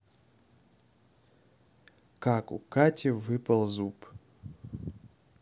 как у кати выпал зуб